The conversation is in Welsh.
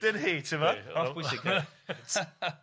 ddim hetio efo. Ia. Holl bwysig dydi?